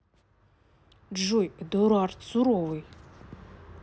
джой эдуард суровый